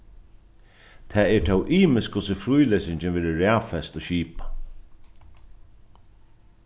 tað er tó ymiskt hvussu frílesingin verður raðfest og skipað